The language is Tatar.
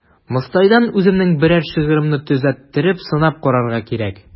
Мостайдан үземнең берәр шигыремне төзәттереп сынап карарга кирәк.